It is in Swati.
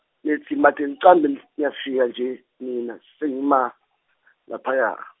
Nidzimate nicambe nif- nayefika nje, nine, sengima, laphaya.